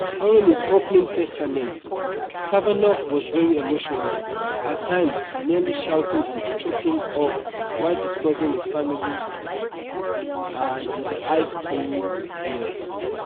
During his opening statement, Kavanaugh was very emotional, at times nearly shouting and choking up while discussing his family and his high school years.